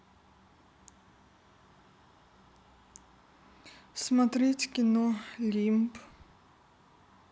смотреть кино лимб